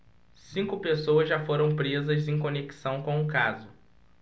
cinco pessoas já foram presas em conexão com o caso